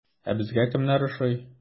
Ә безгә кемнәр ошый?